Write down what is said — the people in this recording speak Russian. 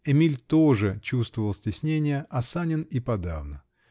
Эмиль тоже чувствовал стеснение, а Санин и подавно.